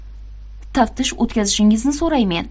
taftish o'tkazishingizni so'raymen